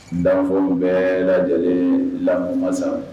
N b'a fɔ bɛɛ lajɛlen ye lamumasa